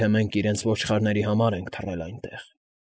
Թե մենք իրենց ոչխարների համար ենք թռել այնտեղ։